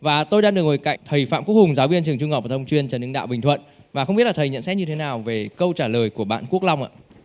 và tôi đang được ngồi cạnh thầy phạm quốc hùng giáo viên trường trung học phổ thông chuyên trần hưng đạo bình thuận và không biết là thầy nhận xét như thế nào về câu trả lời của bạn quốc lòng ạ